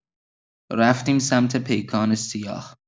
رفتیم سمت پیکان سیاه.